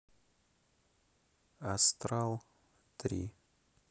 астрал три